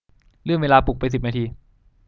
เลื่อนเวลาปลุกไปสิบนาที